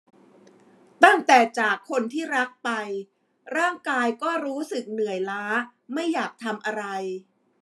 ตั้งแต่จากคนที่รักไปร่างกายก็รู้สึกเหนื่อยล้าไม่อยากทำอะไร